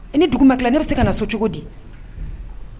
Ni duguba tila ne bɛ se ka na so cogo di